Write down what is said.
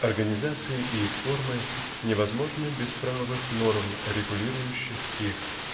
Организации и их формы невозможны без правовых норм регулирующих их